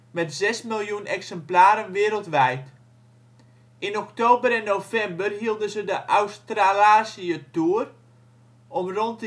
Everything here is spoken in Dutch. met zes miljoen exemplaren wereldwijd. In oktober en november hielden ze de Australazië-toer om rond